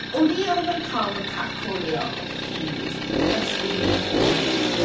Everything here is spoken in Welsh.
O’n i arfer cael fy cat-callio o hyd yn school uniform fi.